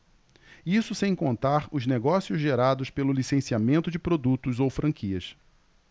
isso sem contar os negócios gerados pelo licenciamento de produtos ou franquias